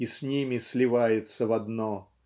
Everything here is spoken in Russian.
и с ними сливается в одно